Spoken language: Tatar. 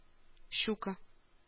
Щука